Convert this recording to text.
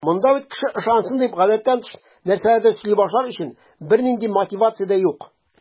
Монда бит кеше ышансын дип, гадәттән тыш нәрсәләрдер сөйли башлар өчен бернинди мотивация дә юк.